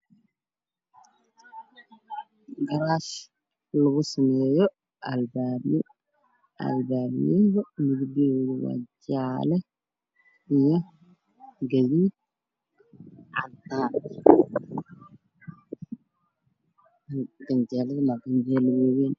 Galaas lagu sameeyo albaabyo albaabyadu midab yadoodu waa jaale iyo gaduud cadaan ganjeeladuna waa ganjeelo waa wayn